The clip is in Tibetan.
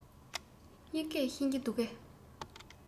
དབྱིན སྐད ཤེས ཀྱི འདུག གས